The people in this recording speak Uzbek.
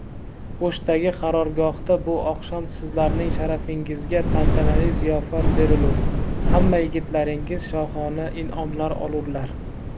o'shdagi qarorgohda bu oqshom sizlarning sharafing'izga tantanali ziyofat berilur hamma yigitlaringiz shohona inomlar olurlar